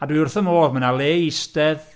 A dwi wrth fy modd, ma' 'na le i eistedd.